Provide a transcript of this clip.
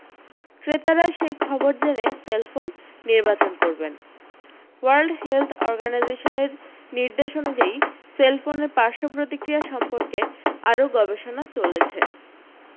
ক্রেতারা সেই খবর জেনে সেলফোন নির্বাচন করবেন ওয়ার্ল্ড হেলথ অর্গানাইজেশনের নির্দেশ অনু্যায়ী সেলফোনের পার্শ্ব প্রতিক্রিয়া সম্পর্কে আরও গবেষণা চলেছে